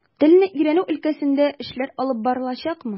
Телне өйрәнү өлкәсендә эшләр алып барылачакмы?